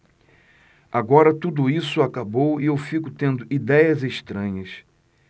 agora tudo isso acabou e eu fico tendo idéias estranhas